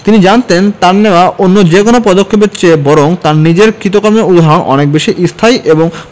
তিনি জানতেন তাঁর নেওয়া অন্য যেকোনো পদক্ষেপের চেয়ে বরং তাঁর নিজের কৃতকর্মের উদাহরণ অনেক বেশি স্থায়ী এবং